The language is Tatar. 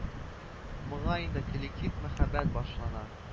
Монда инде коллектив мәхәббәт башлана